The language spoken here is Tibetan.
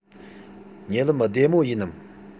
ཉེ ལམ བདེ མོ ཡིན ནམ